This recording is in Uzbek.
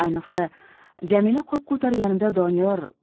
ayniqsa jamila qop ko'targanida